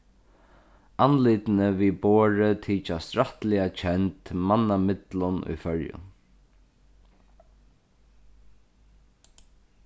andlitini við borðið tykjast rættiliga kend manna millum í føroyum